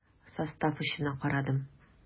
Состав очына карадым.